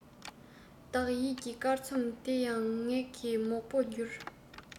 བདག ཡིད ཀྱི སྐར ཚོམ དེ ཡང ངང གིས མོག པོར གྱུར